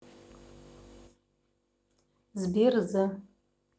сбер з